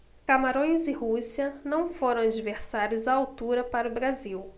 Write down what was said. camarões e rússia não foram adversários à altura para o brasil